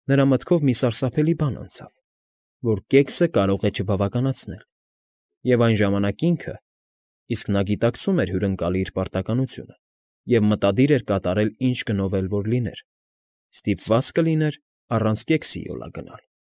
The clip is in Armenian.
Նրա մտքով մի սարսափելի բան անցավ, որ կեքսը կարեղ է չբավականացնել, և այն ժամանակ ինքը (իսկ նա գիտակցում էր հյուրընկալի իր պարտականությունը և մտադիր էր կատարել ինչ գնով էլ որ լիներ) ստիպված կլիներ առանց կեքսի յոլա գնալ։ ֊